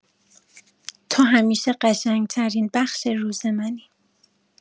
تو همیشه قشنگ‌ترین بخش روز منی